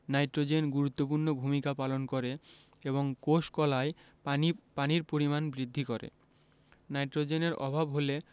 nitrogen গুরুত্বপূর্ণ ভূমিকা পালন করে এবং কোষ কলায় পানি পানির পরিমাণ বৃদ্ধি করে নাইট্রোজেনের অভাব হলে